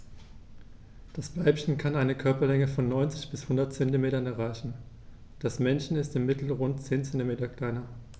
Das Weibchen kann eine Körperlänge von 90-100 cm erreichen; das Männchen ist im Mittel rund 10 cm kleiner.